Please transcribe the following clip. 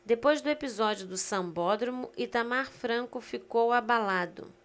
depois do episódio do sambódromo itamar franco ficou abalado